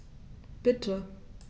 Bitte.